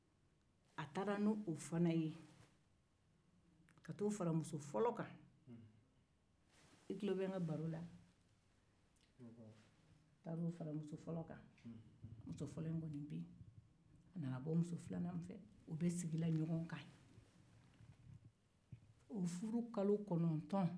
a taara o fara muso fɔlɔ kan muso fɔlɔ muɲunen bɛ a nana bɔ muso filanan fɛ u bɛ sigila ɲogo kan o furu kalo kɔnɔtɔn